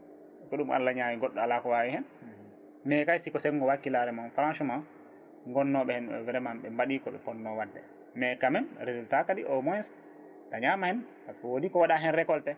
ko ɗum Allah ñawi goɗɗo ala ko wawi hen mais kayi siko senggo wakkilare mom franchement gonnoɓe hen vraiment ɓe mbaɗi kooɓe ponnoɓe wadde mais quand même résultat kadi au moins dañama hen woodi ko waɗa hen récolté